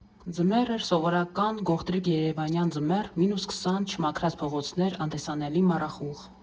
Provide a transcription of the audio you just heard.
Ձմեռ էր, սովորական, գողտրիկ երևանյան ձմեռ՝ մինուս քսան, չմաքրած փողոցներ, անտեսանելի մառախուղ։